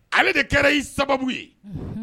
Ale de kɛra ye sababu ye